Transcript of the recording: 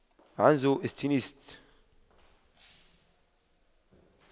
عنز استتيست